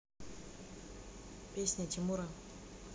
песня тимура